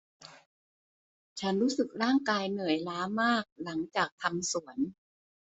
ฉันรู้สึกร่างกายเหนื่อยล้ามากหลังจากทำสวน